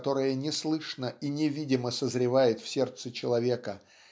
которая неслышно и невидимо созревает в сердце человека